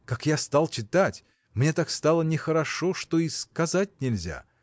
как я стал читать – мне так стало нехорошо, что и сказать нельзя!